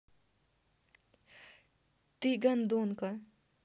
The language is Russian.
ты гондонка